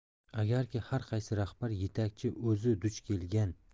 agarki har qaysi rahbar yetakchi o'zi duch kelgan